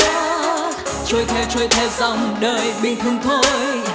trôi theo trôi theo dòng đời bình thường thôi